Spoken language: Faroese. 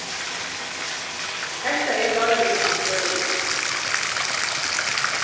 hetta er leiðin á støðina